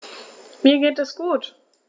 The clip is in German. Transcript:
Mir geht es gut.